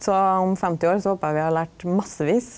så om 50 år så håpar eg vi har lært massevis